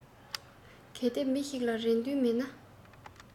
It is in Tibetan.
གལ ཏེ མི ཞིག ལ རེ འདུན མེད ན